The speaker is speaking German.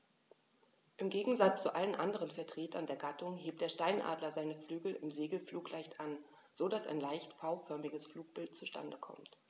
Im Gegensatz zu allen anderen Vertretern der Gattung hebt der Steinadler seine Flügel im Segelflug leicht an, so dass ein leicht V-förmiges Flugbild zustande kommt.